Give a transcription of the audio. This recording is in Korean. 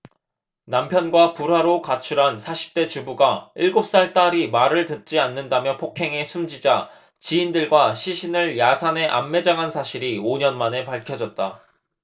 남편과 불화로 가출한 사십 대 주부가 일곱 살 딸이 말을 듣지 않는다며 폭행해 숨지자 지인들과 시신을 야산에 암매장한 사실이 오 년만에 밝혀졌다